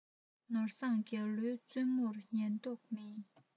ནོར བཟང རྒྱ ལུའི བཙུན མོར ཉན མདོག མེད